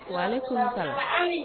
Walekum salam